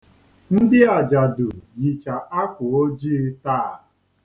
Ndị ajadu yicha akwà ojii taa